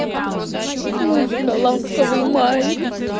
музыка ласковый май